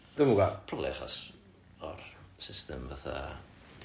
Dwi'm yn gwbod. Probably achos o'r system fatha ti'bod, mae o'n...